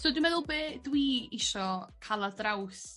So dwi'n meddwl be' dwi isio ca'l ar draws